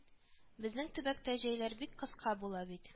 Безнең төбәктә җәйләр бик кыска була бит